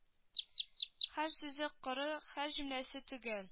Һәр сүзе коры һәр җөмләсе төгәл